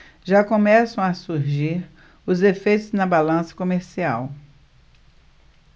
já começam a surgir os efeitos na balança comercial